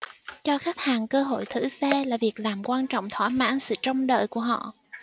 cho khách hàng cơ hội thử xe là việc làm quan trọng thỏa mãn sự trông đợi của họ